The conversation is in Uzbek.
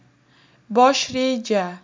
bosh reja